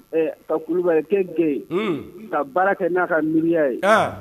Ka kulubalikɛ gɛn ka baara kɛ n'a ka miiriya ye